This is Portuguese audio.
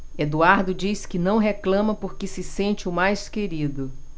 eduardo diz que não reclama porque se sente o mais querido